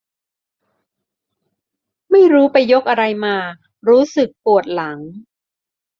ไม่รู้ไปยกอะไรมารู้สึกปวดหลัง